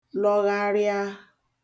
lọgharịa